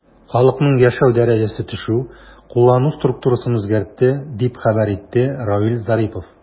Халыкның яшәү дәрәҗәсе төшү куллану структурасын үзгәртте, дип хәбәр итте Равиль Зарипов.